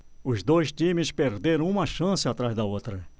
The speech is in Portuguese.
os dois times perderam uma chance atrás da outra